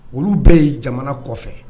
Olu bɛɛ ye jamana kɔfɛ